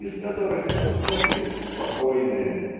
из которых смотрит "спокойное